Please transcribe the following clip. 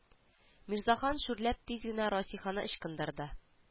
Мирзахан шүрләп тиз генә расиханы ычкындырды